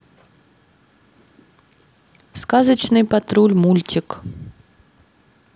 сказочный патруль мультик